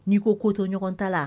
N'i ko toɲɔgɔn ta la